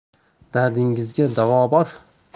dardingizga davo bor